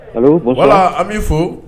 Ala an b'i fo